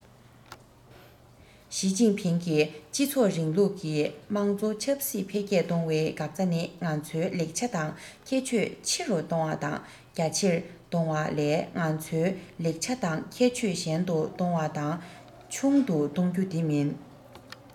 ཞིས ཅིན ཕིང གིས སྤྱི ཚོགས རིང ལུགས ཀྱི དམངས གཙོ ཆབ སྲིད འཕེལ རྒྱས གཏོང བའི འགག རྩ ནི ང ཚོའི ལེགས ཆ དང ཁྱད ཆོས ཆེ རུ གཏོང བ དང རྒྱ ཆེར གཏོང བ ལས ང ཚོའི ལེགས ཆ དང ཁྱད ཆོས ཞན དུ གཏོང བ དང ཆུང དུ གཏོང རྒྱུ དེ མིན